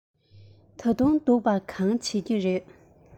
ད དུང སྡུག པ གང བྱེད ཀྱི ཡོད རས